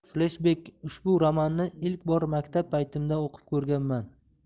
fleshbek ushbu romanni ilk bor maktab paytimda o'qib ko'rganman